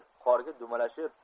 qorga dumalatishib